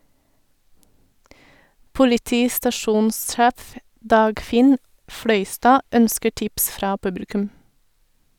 Politistasjonssjef Dagfinn Fløystad ønsker tips fra publikum.